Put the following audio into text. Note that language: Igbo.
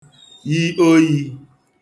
yi oyī